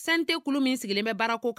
Santee kulu min sigilen bɛ baarako kan